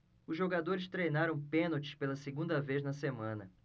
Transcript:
os jogadores treinaram pênaltis pela segunda vez na semana